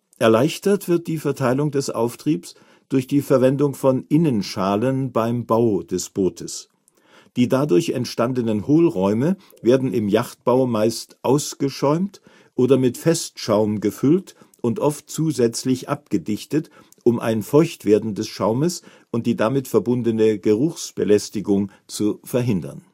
Erleichtert wird die Verteilung des Auftriebs durch die Verwendung von Innenschalen beim Bau des Bootes. Die dadurch entstandenen Hohlräume werden im Yachtbau meist ausgeschäumt oder mit Festschaum gefüllt und oft zusätzlich abgedichtet, um ein Feuchtwerden des Schaumes und die damit verbundene Geruchsbelästigung zu verhindern